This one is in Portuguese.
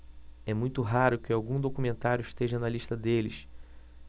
é muito raro que algum documentário esteja na lista deles